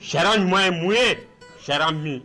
Ha ɲuman ye mun yeharan min